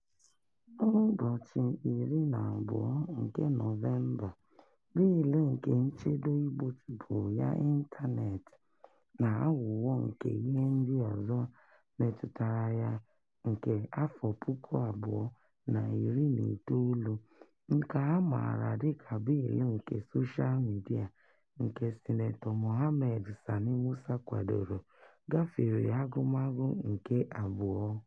N'ụbọchị 20 nke Nọvemba, Bịịlụ nke Nchedo Igbochipụ Ụgha Ịntaneetị na Aghụghọ nke Ihe Ndị Ọzọ Metụtara Ya nke 2019, nke a maara dị ka "bịịlụ nke soshaa midịa", nke Sinetọ Mohammed Sani Musa kwadoro, gafere agụmagụ nke abụọ.